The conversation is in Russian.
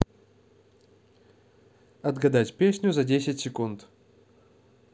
отгадать песню за десять секунд